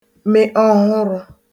me ọhụrụ̄